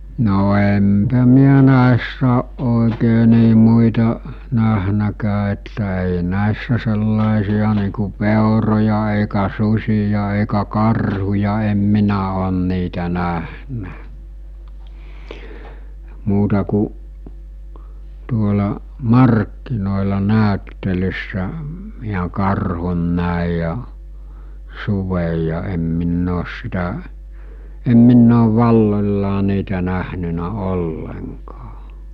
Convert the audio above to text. no enpä minä näissä ole oikein niin muita nähnytkään että ei näissä sellaisia niin kuin peuroja eikä susia eikä karhuja en minä ole niitä nähnyt muuta kuin tuolla markkinoilla näyttelyssä minä karhun näin ja suden ja en minä ole sitä en minä olen valloillaan niitä nähnyt ollenkaan